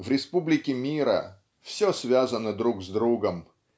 в республике мира все связано друг с другом